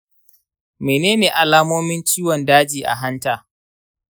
menene alamomin ciwon daji a hanta?